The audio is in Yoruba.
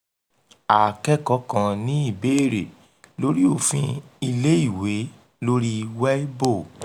Akẹ́kọ̀ọ́ kan ní ìbéèrè lórí òfin ilé-ìwé lórí Weibo: